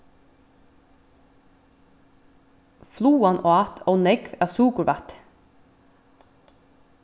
flugan át ov nógv av sukurvætti